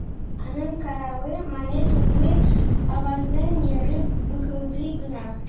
Аның каравы, Мамед углы авызын ерып быкылдый гына.